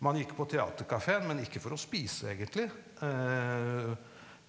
man gikk på teaterkafeen, men ikke for å spise egentlig .